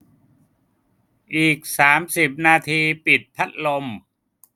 อีกสามสิบนาทีปิดพัดลม